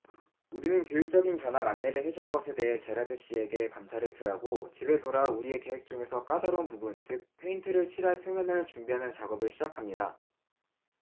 우리는 교육적인 견학 안내를 해 준 것에 대해 제라드 씨에게 감사를 표하고 집에 돌아와 우리의 계획 중에서 까다로운 부분 즉 페인트를 칠할 표면을 준비하는 작업을 시작합니다